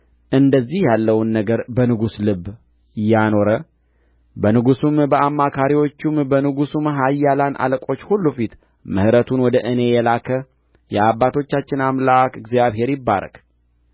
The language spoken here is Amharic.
እንደዚህ ያለውን ነገር በንጉሡ ልብ ያኖረ በንጉሡም በአማካሪዎቹም በንጉሡም ኃያላን አለቆች ሁሉ ፊት ምሕረቱን ወደ እኔ የላከ የአባቶቻችን አምላክ እግዚአብሔር ይባረክ